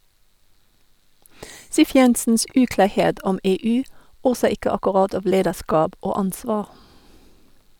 Siv Jensens uklarhet om EU oser ikke akkurat av lederskap og ansvar.